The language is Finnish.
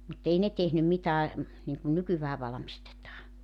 mutta ei ne tehnyt mitään niin kuin nykyään valmistetaan